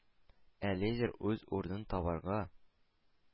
Ә лидер үз урынын табарга,